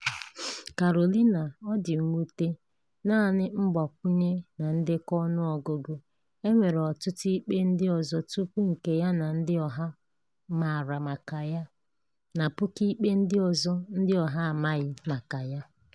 Carolina, ọ dị mwute, naanị mgbakwụnye na ndekọ ọnụọgụgụ, e nwere ọtụtụ ikpe ndị ọzọ tupu nke ya ndị ọha mara maka ya na puku ikpe ndị ọzọ ndị ọha amaghị maka ya.